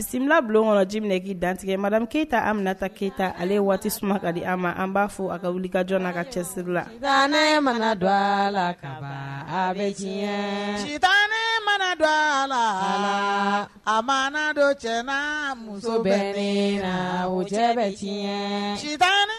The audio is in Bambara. Bisimila bulon kɔnɔ jiminɛ k'i dantigɛ maramu ke tɛ anminata keyita ale waati suma ka di a ma an b'a fɔ a ka wuli kajɔ na ka cɛsiri la z mana dɔ la ka bɛ sutan mana dɔ a la a mana dɔ cɛ muso bɛ la cɛ bɛ